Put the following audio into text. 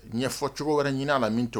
Ɲɛfɔ cogo wɛrɛ ɲinin a la min to